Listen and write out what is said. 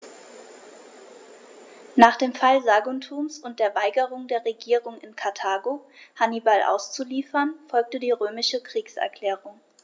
Nach dem Fall Saguntums und der Weigerung der Regierung in Karthago, Hannibal auszuliefern, folgte die römische Kriegserklärung.